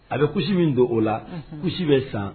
A bɛ kusi min don o la kusi bɛ san